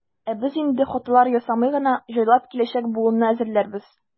Ә без инде, хаталар ясамый гына, җайлап киләчәк буынны әзерләрбез.